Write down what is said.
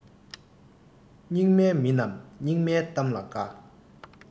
སྙིགས མའི མི རྣམས སྙིགས མའི གཏམ ལ དགའ